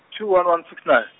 two one one six nine.